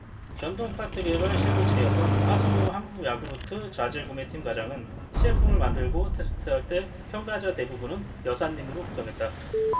전동카트 개발 실무진이었던 하성오 한국야쿠르트 자재구매팀 과장은 시제품을 만들고 테스트할 때 평가자 대부분은 여사님으로 구성했다